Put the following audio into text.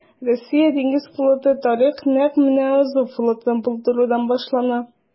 Россия диңгез флоты тарихы нәкъ менә Азов флотын булдырудан башлана.